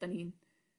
'Dan ni'n